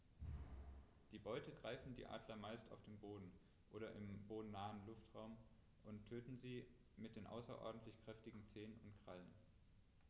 Die Beute greifen die Adler meist auf dem Boden oder im bodennahen Luftraum und töten sie mit den außerordentlich kräftigen Zehen und Krallen.